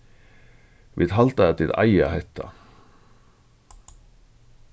vit halda at tit eiga hetta